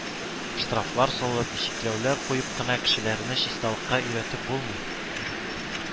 Штрафлар салып, чикләүләр куеп кына кешеләрне чисталыкка өйрәтеп булмый